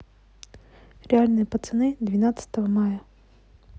реальные пацаны двенадцатого мая